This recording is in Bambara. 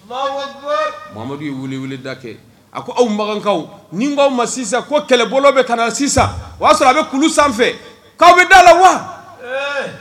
Ye wili da kɛ a ko aw bagankaw ni'aw ma sisan ko kɛlɛbolo bɛ ka na sisan o y'a sɔrɔ a bɛ kulu sanfɛ'aw bɛ da la wa